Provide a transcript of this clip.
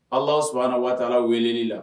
Ala sɔnna waa wele la